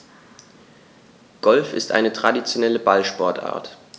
Golf ist eine traditionelle Ballsportart.